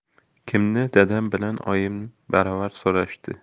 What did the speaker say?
kimni dadam bilan oyim baravar so'rashdi